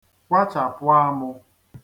kwachàpụ āmụ̄